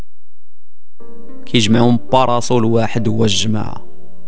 يجمعهم برسول واحد والجماعه